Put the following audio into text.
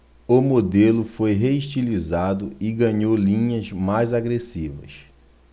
o modelo foi reestilizado e ganhou linhas mais agressivas